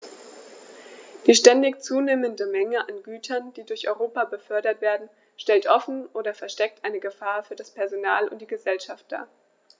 Die ständig zunehmende Menge an Gütern, die durch Europa befördert werden, stellt offen oder versteckt eine Gefahr für das Personal und die Gesellschaft dar.